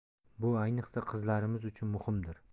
bu ayniqsa qizlarimiz uchun muhimdir